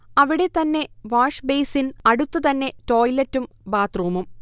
അവിടെ തന്നെ വാഷ്ബെയ്സിങ്, അടുത്ത് തന്നെ ടോയ്ലറ്റും ബാത്ത്റൂമും